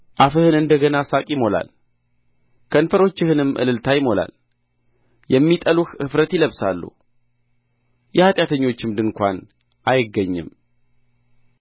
አፍህን እንደ ገና ሳቅ ይሞላል ከንፈሮችህንም እልልታ ይሞላል የሚጠሉህ እፍረት ይለብሳሉ የኃጢአተኞችም ድንኳን አይገኝም